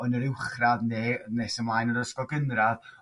o yn yr uwchradd ne nes ymlaen o'r ysgol gynradd